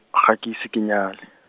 ga ke ise ke nyale.